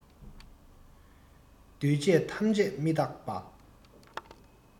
འདུས བྱས ཐམས ཅད མི རྟག པ